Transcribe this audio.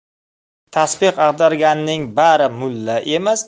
tasbeh ag'darganning bari mulla emas